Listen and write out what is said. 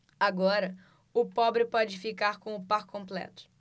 agora o pobre pode ficar com o par completo